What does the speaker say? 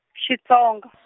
Xitsonga .